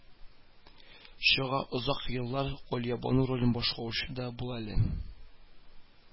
Чыга, озак еллар галиябану ролен башкаручы да була әле